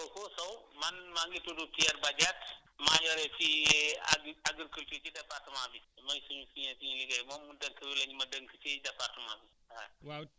merci beaucoup Sow man maa ngi tudd Pierre Badiate maa yore fii agri agriculture ci département bi mooy suñu fi ñu fi ñuy liggéeyee moom mu dénk la ñu ma dénk si département bi waa